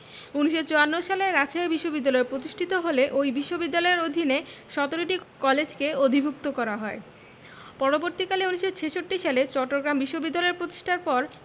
১৯৫৪ সালে রাজশাহী বিশ্ববিদ্যালয় প্রতিষ্ঠিত হলে ওই বিশ্ববিদ্যালয়ের অধীনে ১৭টি কলেজকে অধিভুক্ত করা হয় পরবর্তীকালে ১৯৬৬ সালে চট্টগ্রাম বিশ্ববিদ্যালয় প্রতিষ্ঠার পর